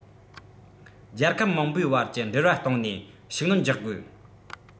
རྒྱལ ཁབ མང པོའི བར གྱི འབྲེལ བ སྟེང ནས ཤུགས སྣོན རྒྱག དགོས